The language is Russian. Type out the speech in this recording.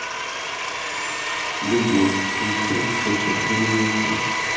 любовь инструкция по применению